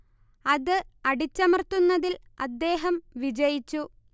അത് അടിച്ചമർത്തുന്നതിൽ അദ്ദേഹം വിജയിച്ചു